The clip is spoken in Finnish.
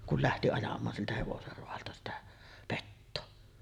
kun lähti ajamaan siltä hevosen raadolta sitä petoa